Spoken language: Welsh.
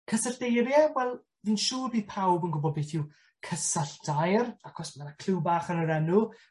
Cysyllteirie? Wel, fi'n siwr bydd pawb yn gwbod beth yw cysylltair acos ma' 'na cliw bach yn yr enw.